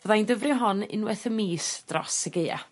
fyddai'n dyfrio hon unwaith y mis dros y Gaea.